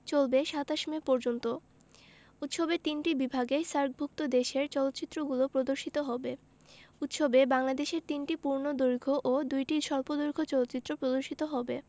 চলবে ২৭ মে পর্যন্ত উৎসবের তিনটি বিভাগে সার্কভুক্ত দেশের চলচ্চিত্রগুলো প্রদর্শিত হবে উৎসবে বাংলাদেশের ৩টি পূর্ণদৈর্ঘ্য ও ২টি স্বল্পদৈর্ঘ্য চলচ্চিত্র প্রদর্শিত হবে